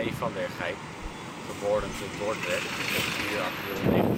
van der Gijp (Dordrecht, 4 april 1961